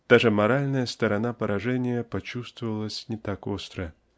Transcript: даже моральная сторона поражения почувствовалась не так остро